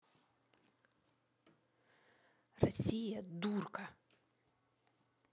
россия дурка